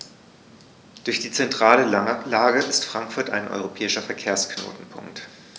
Durch die zentrale Lage ist Frankfurt ein europäischer Verkehrsknotenpunkt.